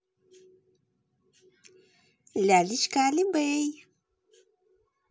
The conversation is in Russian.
лялечка алибей